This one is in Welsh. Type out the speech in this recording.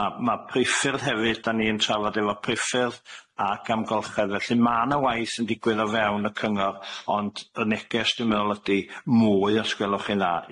Ma' ma' priffyrdd hefyd dan ni yn trafod efo priffyrdd ag amgolchedd felly ma' na waith yn digwydd o fewn y cyngor ond y neges dwi'n meddwl ydi mwy os gwelwch chi'n dda,